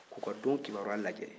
k'u ka don kibaruya lajɛ